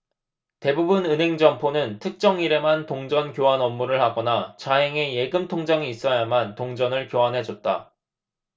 대부분 은행 점포는 특정일에만 동전 교환 업무를 하거나 자행의 예금통장이 있어야만 동전을 교환해줬다